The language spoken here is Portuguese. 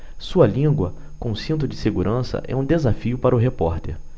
sua língua com cinto de segurança é um desafio para o repórter